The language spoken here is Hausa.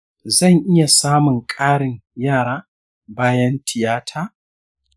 zan iya samun ƙarin yara bayan tiyata?